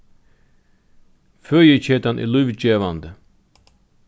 føðiketan er lívgevandi